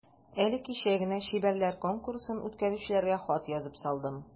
Әле кичә генә чибәрләр конкурсын үткәрүчеләргә хат язып салдым.